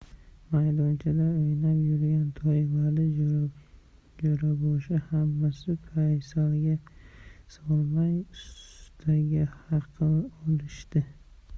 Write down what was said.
maydonchada o'ynab yurgan toy vali jo'raboshi hammasi paysalga solmay ustara haqi olishdi